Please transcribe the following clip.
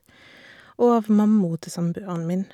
Og av mammaen til samboeren min.